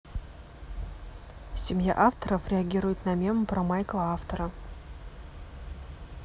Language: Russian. семья авторов реагирует на мемы про майкла автора